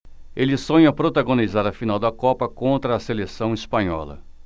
ele sonha protagonizar a final da copa contra a seleção espanhola